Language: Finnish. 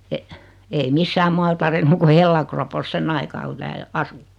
- ei missään muualla tarjennut kuin hellakropossa sen aikaa kun täällä asui